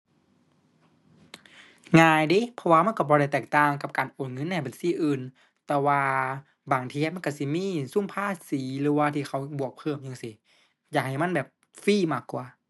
ง่ายเดะ เพราะว่ามันก็บ่ได้แตกต่างกับการโอนเงินในบัญชีอื่น แต่ว่าบางเที่ยมันก็สิมีซุมภาษีหรือว่าที่เขาบวกเพิ่มจั่งซี้ อยากให้มันแบบฟรีมากกว่า